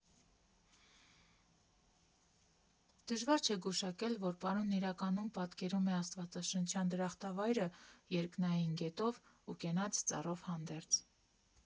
Դժվար չէ գուշակել, որ պանոն իրականում պատկերում է աստվածաշնչյան դրախտավայրը՝ երկնային գետով և կենաց ծառով հանդերձ։